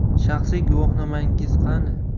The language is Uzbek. shaxsiy guvohnomangiz qani